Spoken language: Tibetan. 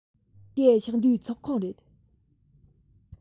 དེ ཕྱོགས བསྡུས ཚོགས ཁང རེད